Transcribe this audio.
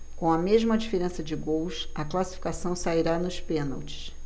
com a mesma diferença de gols a classificação sairá nos pênaltis